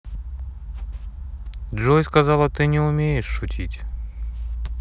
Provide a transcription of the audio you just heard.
джой сказала ты не умеешь шутить